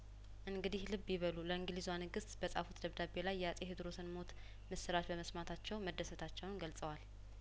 እንግዲህ ልብ ይበሉ ለእንግሊዟንግስት በጻፉት ደብዳቤ ላይ የአጼ ቴዎድሮስን ሞት ምስራች በመስማታቸው መደሰታቸውን ገልጸዋል